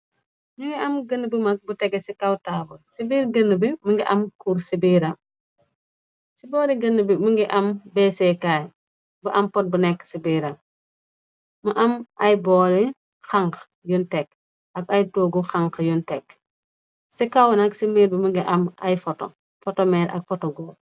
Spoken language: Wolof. Ñungi am gën bu mag bu tege ci kaw taabl ci biir gënn bi më ngi am kurr ci biiram. Ci boori gënn bi mu ngi am behsehkaay bu am pot bu nekk ci biiram. Mu am ay booli harnk yun tekk ak ay toogu harnk yun tekk. Ci kaw nag ci miir bi më ngi am ay photo, photo meer ak photo goor.